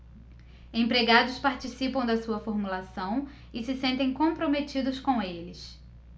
empregados participam da sua formulação e se sentem comprometidos com eles